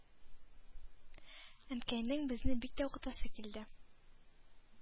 Әнкәйнең безне бик тә укытасы килде.